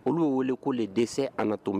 Olu ye wele ko de dɛsɛ a nato min